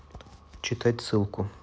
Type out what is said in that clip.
читать ссылку